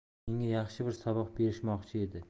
menga yaxshi bir saboq berishmoqchi edi